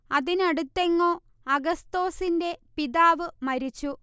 അതിനടുത്തെങ്ങോ അഗസ്തോസിന്റെ പിതാവ് മരിച്ചു